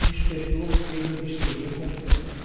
um inspetor fez a vistoria completa